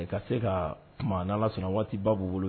Ka se ka kuma sɔnna waati b'u bolo